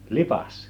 Lipas